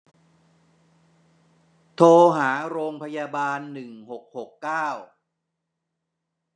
โทรหาโรงพยาบาลหนึ่งหกหกเก้า